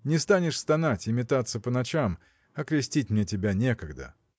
не станешь стонать и метаться по ночам, а крестить мне тебя некогда.